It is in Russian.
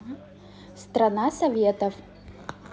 страна советов